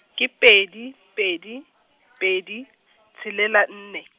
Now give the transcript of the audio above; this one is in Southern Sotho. ke pedi, pedi , pedi, tshelela nne.